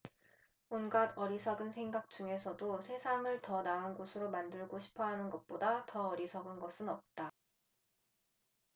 온갖 어리석은 생각 중에서도 세상을 더 나은 곳으로 만들고 싶어 하는 것보다 더 어리석은 것은 없다